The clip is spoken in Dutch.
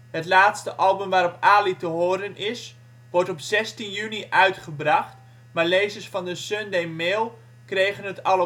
het laatste album waarop Ali te horen is, wordt op 16 juni uitgebracht maar lezers van de Sunday Mail kregen het al